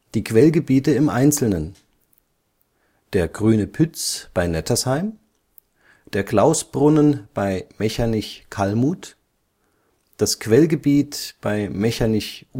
Die Quellgebiete im Einzelnen: Der Grüne Pütz bei Nettersheim (50° 30′ 46″ N, 6° 36′ 39″ O 50.51276.6108445) Der Klausbrunnen bei Mechernich-Kallmuth (50° 33′ 9″ N, 6° 37′ 45″ O 50.5526316.629229395) Das Quellgebiet bei Mechernich-Urfey